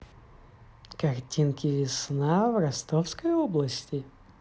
картинки весна в ростовской области